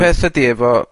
...peth ydi efo